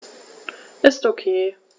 Ist OK.